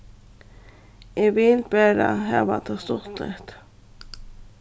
eg vil bara hava tað stuttligt